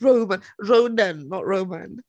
Roma- Ronan, not Roman.